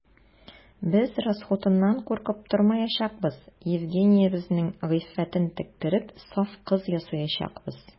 Без расхутыннан куркып тормаячакбыз: Евгениябезнең гыйффәтен тектереп, саф кыз ясаячакбыз.